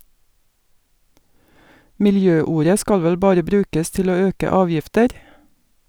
Miljøordet skal vel bare brukes til å øke avgifter?